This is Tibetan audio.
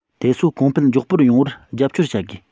དེ ཚོ གོང འཕེལ མགྱོགས པོར ཡོང བར རྒྱབ སྐྱོར བྱ དགོས